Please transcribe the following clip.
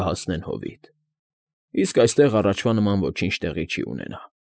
Կհասնեն հովիտ, իսկ այստեղ առաջվա նման ոչինչ տեղի չի ունենա։